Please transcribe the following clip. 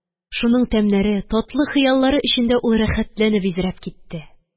Шуның тәмнәре, татлы хыяллары эчендә ул рәхәтләнеп изрәп китте